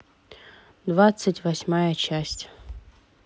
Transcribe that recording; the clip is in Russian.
двадцать восьмая часть